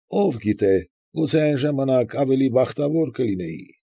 Ով գիտե, գուցե այն ժամանակ ավելի բախտավոր կլինեի։